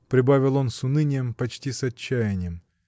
— прибавил он с унынием, почти с отчаянием.